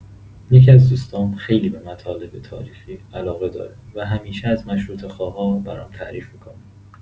یکی‌از دوستام خیلی به مطالب تاریخی علاقه داره و همیشه از مشروطه‌خواها برام تعریف می‌کنه.